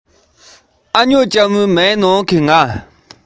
ཞིང ལས བྱེད མཁན ནང གྱི བུད མེད